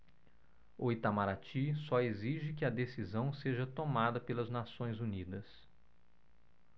o itamaraty só exige que a decisão seja tomada pelas nações unidas